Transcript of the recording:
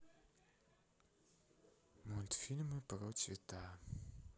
мультфильмы про цвета